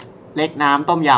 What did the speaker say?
เล็กน้ำต้มยำ